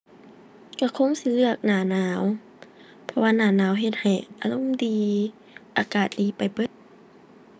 ก็คงสิเลือกหน้าหนาว เพราะว่าหน้าหนาวเฮ็ดให้อารมณ์ดี อากาศดีไปเบิด